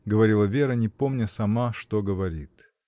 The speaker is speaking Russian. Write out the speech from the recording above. — говорила Вера, не помня сама, что говорит.